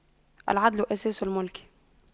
العدل أساس الْمُلْك